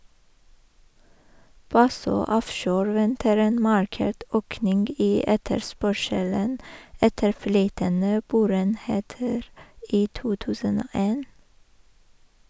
Bassøe Offshore venter en markert økning i etterspørselen etter flytende boreenheter i 2001.